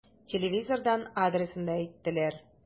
Телевизордан адресын да әйттеләр.